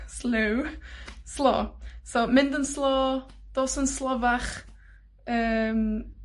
slow, slo, so mynd yn slo, dos yn slofach, yym,